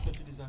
waaw